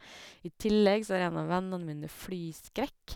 I tillegg så har en av vennene mine flyskrekk.